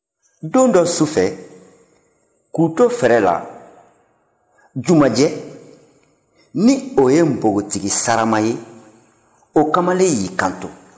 don dɔ su fɛ k'u to fɛrɛ la jumanjɛ ni o ye npogotigi sarama ye o kamalen y'i kanto